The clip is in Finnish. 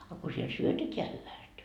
a kun siellä syötetään hyvästi